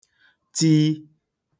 tii